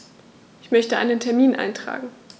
Ich möchte einen Termin eintragen.